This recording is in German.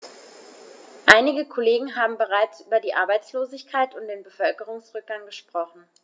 Einige Kollegen haben bereits über die Arbeitslosigkeit und den Bevölkerungsrückgang gesprochen.